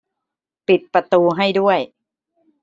ปิดประตูให้ด้วย